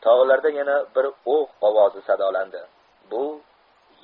togiarda yana bir o'q ovozi sadolandi